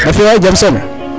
Na fi'o yee jam soom